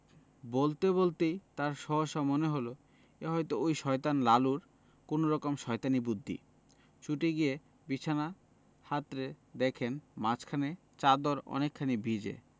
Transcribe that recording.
বলতে বলতেই তাঁর সহসা মনে হলো এ হয়ত ঐ শয়তান লালুর কোনরকম শয়তানি বুদ্ধি ছুটে গিয়ে বিছানা হাতড়ে দেখেন মাঝখানে চাদর অনেকখানি ভিজে